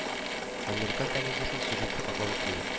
«американ» комедиясенең сюжеты катлаулы түгел.